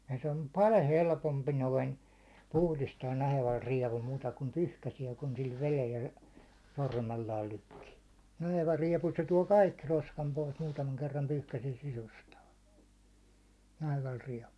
ja se on paljon helpompi noin puhdistaa nahevalla rievulla muuta kuin pyyhkäisee kun sillä vedellä ja sormellaan lykkii naheva riepu se tuo kaikki roskan pois muutaman kerran pyyhkäisee sisustaa nahevalla rievulla